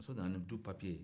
muso nana ni du papiye